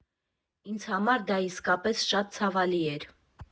Ինձ համար դա իսկապես շատ ցավալի էր։